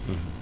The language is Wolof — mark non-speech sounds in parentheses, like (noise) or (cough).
(hesitation) (hesitation)